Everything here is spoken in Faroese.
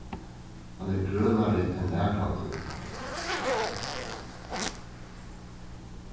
hann er grønari enn nakrantíð